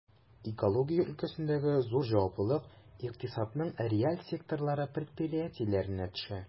Экология өлкәсендәге зур җаваплылык икътисадның реаль секторлары предприятиеләренә төшә.